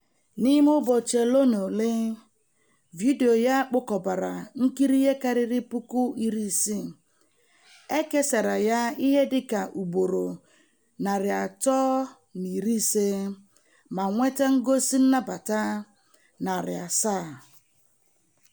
N'ime ụbọchị ole na ole, vidiyo ya kpokọbara nkiri ihe karịrị puku 60, e kesara ya ihe dị ka ugboro 350 ma nweta ngosi nnabata 700.